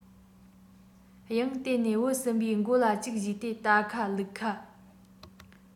ཡང དེ ནས བུ གསུམ པའི མགོ ལ གཅིག ཞུས ཏེ རྟ ཁ ལུག ཁ